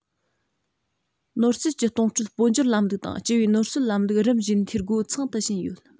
ནོར སྲིད ཀྱི གཏོང སྤྲོད སྤོ བསྒྱུར ལམ ལུགས དང སྤྱི པའི ནོར སྲིད ལམ ལུགས རིམ བཞིན འཐུས སྒོ ཚང དུ ཕྱིན ཡོད